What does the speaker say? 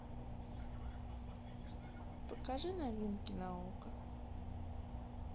покажи новинки на окко